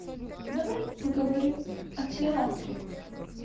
давай поговорим о театре